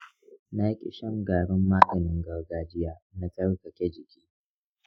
naki shan garin maganin gargajiya na tsarkake jiki.